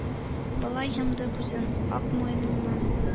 Бала йомды күзен...Ак муеныннан